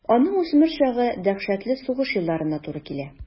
Аның үсмер чагы дәһшәтле сугыш елларына туры килә.